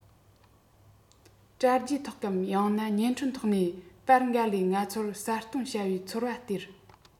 དྲ རྒྱའི ཐོག གམ ཡང ན བརྙན འཕྲིན ཐོག ནས པར འགའ ལས ང ཚོར གསལ སྟོན བྱ པའི ཚོར བ སྟེར